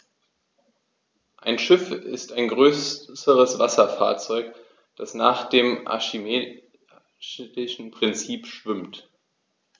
Ein Schiff ist ein größeres Wasserfahrzeug, das nach dem archimedischen Prinzip schwimmt.